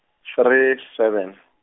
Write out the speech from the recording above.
three seven.